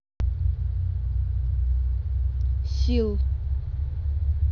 сил